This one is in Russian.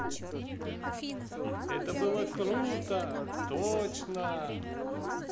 это было круто точно